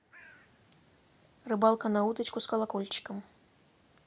рыбалка на удочку с колокольчиком